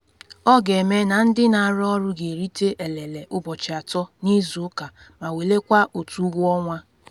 Ọ ga-eme na ndị na-arụ ọrụ ga-erite elele ụbọchị atọ n’izu ụka ma welakwaa otu ụgwọ ọnwa.